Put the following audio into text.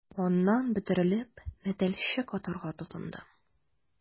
Аннан, бөтерелеп, мәтәлчек атарга тотынды...